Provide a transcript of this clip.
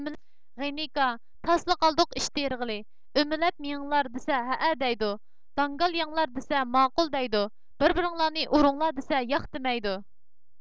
غېنىكا تاسلا قالدۇق ئېش تېرىغىلى ئۆمىلەپ مېڭىڭلار دېسە ھەئە دەيدۇ داڭگال يەڭلار دېسە ماقۇل دەيدۇ بىر بىرىڭلارنى ئۇرۇڭلار دېسە ياق دېمەيدۇ